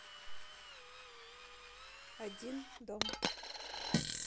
один дом